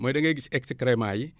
mooy da ngay gis excrément yi